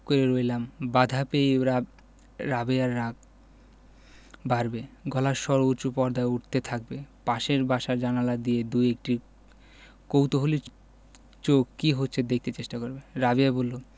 করে রইলাম বাধা পেলেই রাবেয়ার রাগ বাড়বে গলার স্বর উচু পর্দায় উঠতে থাকবে পাশের বাসার জানালা দিয়ে দুএকটি কৌতুহলী চোখ কি হচ্ছে দেখতে চেষ্টা করবে রাবেয়া বললো